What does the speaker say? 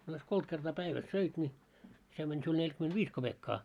a jos kolme kertaa päivässä söit niin se meni sinulla neljäkymenntäviisi kopeekkaa